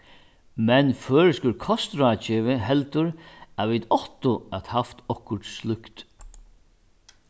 men føroyskur kostráðgevi heldur at vit áttu at havt okkurt slíkt